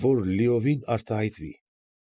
Որ լիովին արտահայտվի։